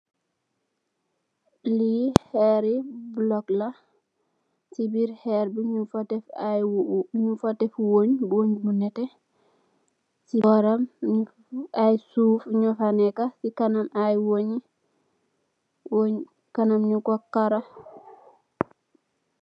Lii xeeri bullok la, si biir bulok bi ñung fa def wéng. Si booram, ay suuf so kanam, ay weñg, si kanam ñung ko karro.